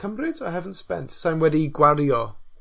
cymryd I haven't spent? Sai'n wedi gwario